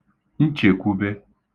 nchèkwūbē